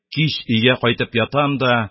Кич өйгә кайтып ятам да,